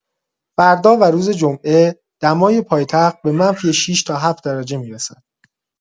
فردا و روز جمعه دمای پایتخت به منفی ۶ تا ۷ درجه می‌رسد.